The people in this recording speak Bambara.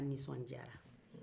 fa nisɔndiyara